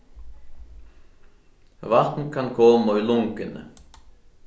vatn kann koma í lunguni